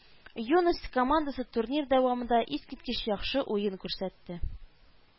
Юность командасы турнир дәвамында искиткеч яхшы уен күрсәтте